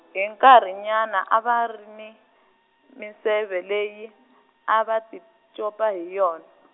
hi nkarhinyana a va ri ni, minseve leyi, a va ti copa hi yona .